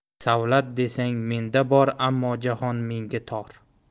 savlat desang menda bor ammo jahon menga tor